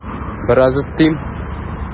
Бераз өстим.